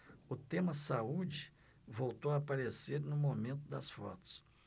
o tema saúde voltou a aparecer no momento das fotos